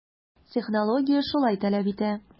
Технология шулай таләп итә.